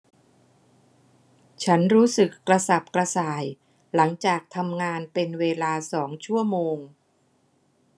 ฉันรู้สึกกระสับกระส่ายหลังจากทำงานเป็นเวลาสองชั่วโมง